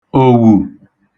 òwù